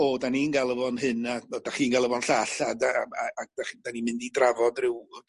o 'dan ni'n galw fo'n hyn a by- 'dach chi'n galw fo'n llall a dy- yym a gwech- 'dan ni'n mynd i drafod ryw